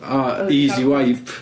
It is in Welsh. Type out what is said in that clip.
O easy wipe.